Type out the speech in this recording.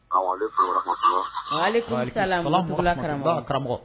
Alela karamɔgɔ karamɔgɔ